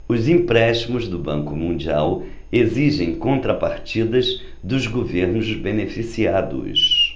os empréstimos do banco mundial exigem contrapartidas dos governos beneficiados